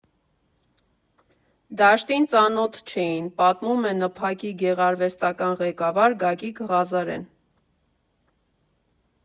«Դաշտին ծանոթ չէին, ֊ պատմում է ՆՓԱԿ֊ի գեղարվեստական ղեկավար Գագիկ Ղազարեն։